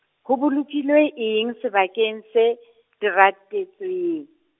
ho bolokilwe eng sebakeng se , teratetsweng.